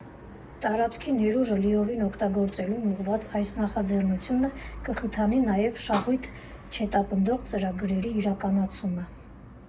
Տարածքի ներուժը լիովին օգտագործելուն ուղղված այս նախաձեռնությունը կխթանի նաև շահույթ չհետապնդող ծրագրերի իրականացումը։